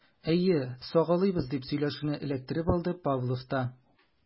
Әйе, сагалыйбыз, - дип сөйләшүне эләктереп алды Павлов та.